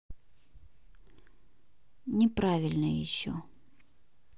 неправильное еще